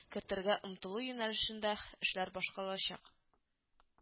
Кертергә омтылу юнәлешендә эшләр башкарылачак